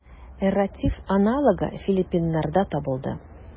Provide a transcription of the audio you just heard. Эрратив аналогы филиппиннарда табылды.